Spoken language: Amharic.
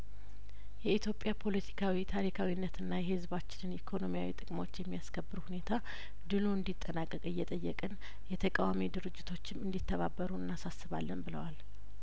የኢትዮጵያ ፖለቲካዊ ታሪካዊ ነትና የህዝባችንን ኢኮኖሚያዊ ጥቅሞች የሚያስከብር ሁኔታ ድሉ እንዲ ጠናቀቅ እየጠየቅን የተቃዋሚ ድርጅቶችም እንዲተባበሩ እናሳስባለን ብለዋል